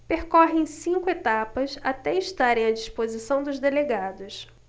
percorrem cinco etapas até estarem à disposição dos delegados